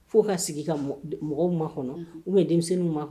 Fo ka sigi ka mɔgɔw ma kɔnɔ u bɛ denmisɛnninw ma